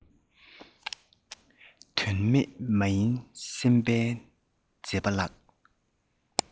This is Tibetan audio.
དོན མེད མ ཡིན སེམས དཔའི མཛད པ ལགས